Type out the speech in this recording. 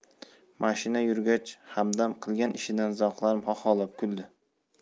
mashina yurgach hamdam qilgan ishidan zavqlanib xaxolab kuldi